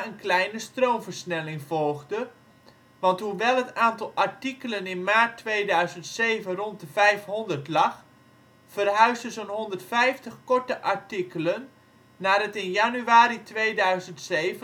kleine stroomversnelling volgde, want hoewel het aantal artikelen in maart 2007 rond de 500 lag, verhuisden zo 'n 150 korte artikelen naar het in januari 2007